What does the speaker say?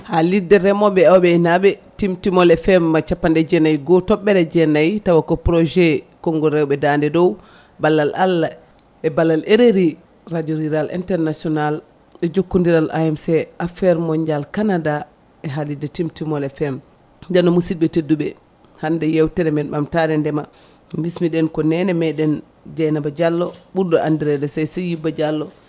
haalirde reemoɓe e awoɓe e aynaɓe Timtimol FM capanɗe jeenayyi e goho toɓɓere jeenayi tawa ko projet konggol rewɓe daande dow ballal Allah e ballal RRI radio rural international e jokkodiral AMC affaire mondial Canada e haalirde Timtimol FM nden noon miudɓe tedduɓe hande yewtere men ɓamtare ndeema bismiɗen ko nene meɗen Dieynaa Diallo ɓurɗo andirede Seysayuba Diallo